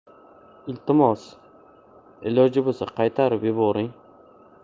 iltimos iloji bo'lsa qaytarib yuboring